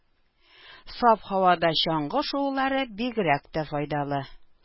Саф һавада чаңгы шуулары бигрәк тә файдалы.